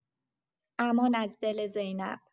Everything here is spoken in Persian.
امان از دل زینب